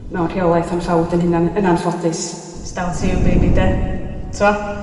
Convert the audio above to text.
mewn rheolaeth o'n ffawd 'yn hunan y- yn anffodus. 'S down to you baby 'de? T'o'?